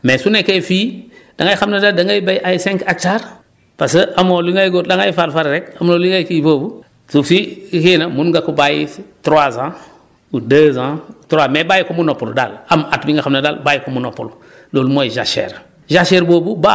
mais su nekkee fii da ngay xam ne da ngay béy ay cinq hectares parce que amoo li ngay go da ngar far fari rek amoo li ngay kii foofu suuf si xëy na mun nga ko bàyyi trois ans ou deux ans trois mais bàyyi ko mu noppalu daal am at bi nga xam ne daal bàyyi ko mu noppalu loolu mooy jachère jachère boobu baa